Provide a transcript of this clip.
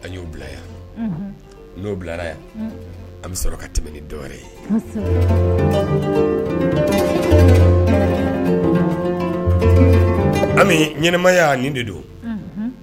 A y'o bila yan n'o bilara yan an bɛ sɔrɔ ka tɛmɛ ni dɔwɛrɛ ye ɲmaya nin de do